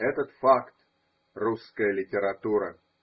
Этот факт – русская литература.